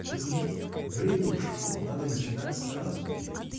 да нет: время ушло, надо начинать с азбуки.